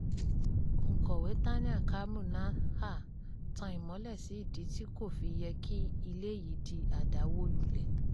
Òǹkọ̀wé Tania Kamrun Nahar tan ìmọ́lẹ̀ sí ìdí tí kò fi yẹ kí ilé yìí di àdàwólulẹ̀: